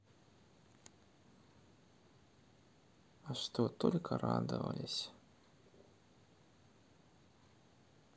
а что только радовались